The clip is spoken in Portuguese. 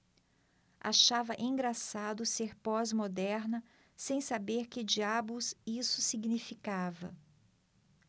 achava engraçado ser pós-moderna sem saber que diabos isso significava